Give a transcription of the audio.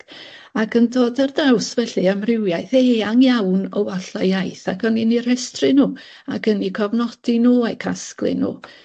Ac yn dod ar draws felly amrywiaeth eang iawn o walla iaith ac o'n i'n 'u rhestru nw ac yn 'u cofnodi nw a'u casglu nw